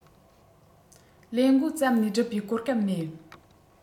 ལས མགོ བརྩམས ནས བསྒྲུབས པའི གོ སྐབས མེད